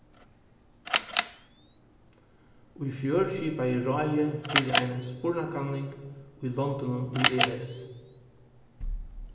í fjør skipaði ráðið fyri eini spurnakanning í londunum í es